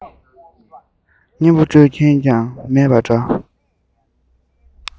རྔན པ སྤྲོད མཁན ཡང མེད པ འདྲ